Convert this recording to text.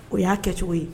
O y'a kɛcogo ye